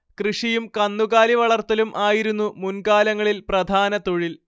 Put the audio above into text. കൃഷിയും കന്നുകാലിവളർത്തലും ആയിരുന്നു മുൻകാലങ്ങളിൽ പ്രധാന തൊഴിൽ